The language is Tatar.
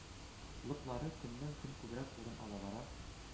Лыплары) көннән-көн күбрәк урын ала бара